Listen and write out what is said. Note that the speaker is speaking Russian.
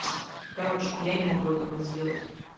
короче я не могу это ничего сделать